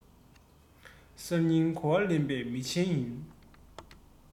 གསར རྙིང གོ བ ལོན པའི མི ཆེན ཡིན